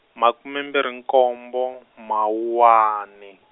makume mbirhi nkombo Mawuwani.